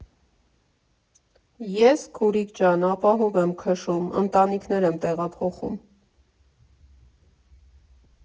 Ես, քուրիկ ջան, ապահով եմ քշում, ընտանիքներ եմ տեղափոխում։